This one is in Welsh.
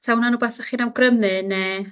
'Sa wnna'n rwbath 'dach chi'n awgrymu ne'?